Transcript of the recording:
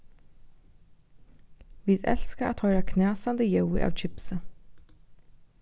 vit elska at hoyra knasandi ljóðið av kipsi